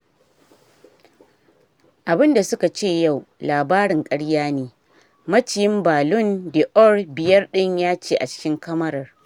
abun da suka ce yau, labarin karya ne,” maciyin Ballon d’Or biyar din yace a cikin kamarar.